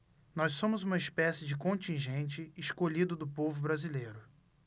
nós somos uma espécie de contingente escolhido do povo brasileiro